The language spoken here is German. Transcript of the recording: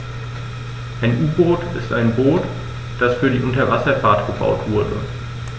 Ein U-Boot ist ein Boot, das für die Unterwasserfahrt gebaut wurde.